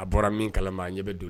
A bɔra min kala maa a ɲɛ bɛ don